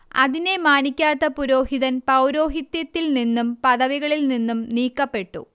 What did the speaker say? അതിനെ മാനിക്കാത്ത പുരോഹിതൻ പൗരോഹിത്യത്തിൽ നിന്നും പദവികളിൽ നിന്നും നീക്കപ്പെട്ടു